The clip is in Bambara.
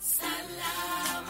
San